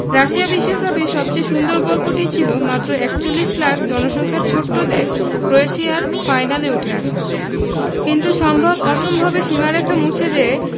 Russia বিশ্বকাপে সবচেয়ে সুন্দর গল্পটি ছিল মাত্র ৪১ লাখ জনসংখ্যার ছোট্ট দেশ ক্রোয়েশিয়ার ফাইনালে উঠে আসা কিন্তু সম্ভব অসম্ভবের সীমারেখা মুছে দেয়ে